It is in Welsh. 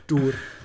Dŵr.